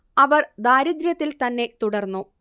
അവർ ദാരിദ്ര്യത്തിൽ തന്നെ തുടർന്നു